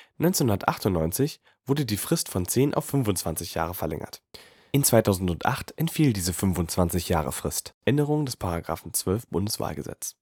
1998 wurde die Frist von 10 auf 25 Jahre verlängert. In 2008 entfiel diese 25-Jahre-Frist (Änderung des § 12 BWahlG